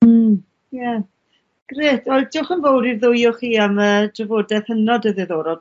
Hmm. Ie, grêt wel diolch yn fowr i'r ddwy o chi am y drafodeth hynod o ddiddorol